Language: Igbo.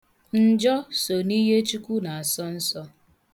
Njọ so na ihe Chukwu na-asọ nsọ.